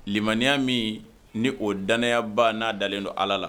Limaniya min ni o danayaba na dalen don ala la.